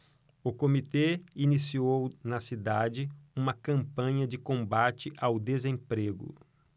o comitê iniciou na cidade uma campanha de combate ao desemprego